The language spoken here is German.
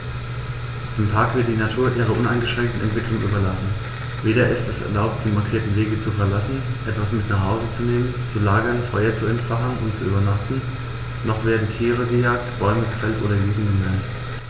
Im Park wird die Natur ihrer uneingeschränkten Entwicklung überlassen; weder ist es erlaubt, die markierten Wege zu verlassen, etwas mit nach Hause zu nehmen, zu lagern, Feuer zu entfachen und zu übernachten, noch werden Tiere gejagt, Bäume gefällt oder Wiesen gemäht.